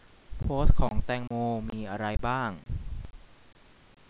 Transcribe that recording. โพสต์ของแตงโมมีอะไรบ้าง